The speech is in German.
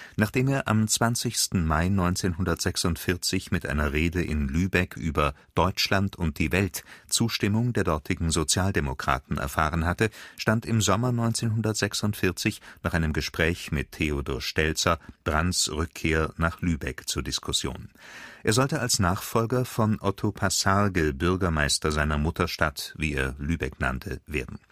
Nachdem er am 20. Mai 1946 mit einer Rede in Lübeck über Deutschland und die Welt Zustimmung der dortigen Sozialdemokraten erfahren hatte, stand im Sommer 1946 nach einem Gespräch mit Theodor Steltzer Brandts Rückkehr nach Lübeck zur Diskussion. Er sollte als Nachfolger von Otto Passarge Bürgermeister seiner Mutterstadt, wie er Lübeck nannte, werden